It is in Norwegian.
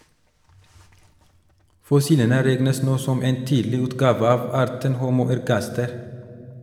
Fossilene regnes nå som en tidlig utgave av arten Homo ergaster.